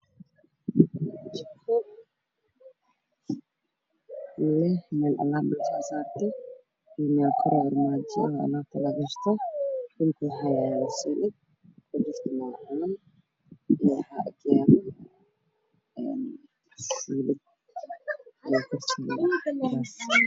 Meeshaan waxaa yaalo armaajo isaa waxaa dul saaran alaab caawa siyaano macun qaar kamid ah tusalid subak